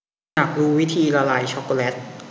อยากรู้วิธีละลายช็อคโกแลต